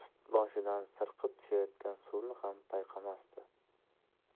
tushayotgan suvni ham payqamasdi